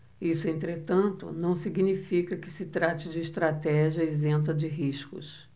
isso entretanto não significa que se trate de estratégia isenta de riscos